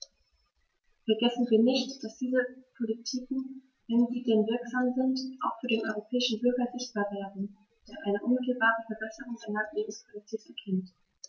Vergessen wir nicht, dass diese Politiken, wenn sie denn wirksam sind, auch für den europäischen Bürger sichtbar werden, der eine unmittelbare Verbesserung seiner Lebensqualität erkennt!